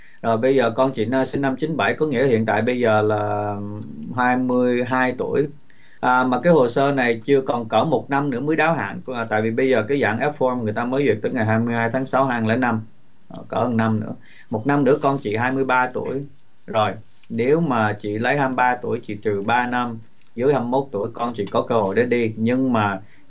rồi bây giờ con chị sinh năm chín bảy có nghĩa hiện tại bây giờ là hai mươi hai tuổi à mà cái hồ sơ này chưa còn cỡ một năm nữa mới đáo hạn tại vì bây giờ cái dạng ép phôn người ta mới dịch tới ngày hai mươi hai tháng sáu hai lẻ năm cỡ một năm nữa một năm nữa con chị hai mươi ba tuổi rồi nếu mà chị lấy hai mươi ba tuổi chị trừ ba năm dưới hăm mốt tuổi con chỉ có cơ hội để đi nhưng mà